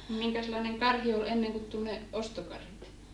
no minkäslainen karhi oli ennen kuin tuli ne ostokarhit